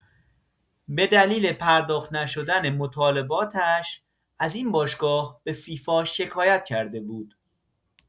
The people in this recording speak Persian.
به دلیل پرداخت نشدن مطالباتش از این باشگاه به فیفا شکایت کرده بود.